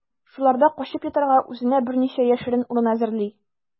Шуларда качып ятарга үзенә берничә яшерен урын әзерли.